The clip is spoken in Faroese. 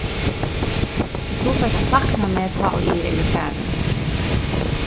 tú fert at sakna meg tá ið eg eri farin